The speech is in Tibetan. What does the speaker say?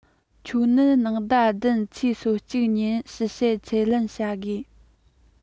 ཁྱོད ན ནིང ཟླ ༧ ཚེས ༣༡ ཉིན ཞིབ དཔྱད ཚད ལེན བྱ དགོས